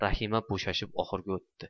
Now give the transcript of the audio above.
rahima bo'shashib oxurga o'tirdi